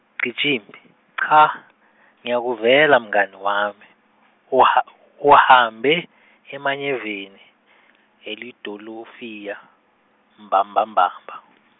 Cijimphi cha , ngiyakuvela mngani wami , uha uhambe emanyeveni, elidolofiya mbambambamba- .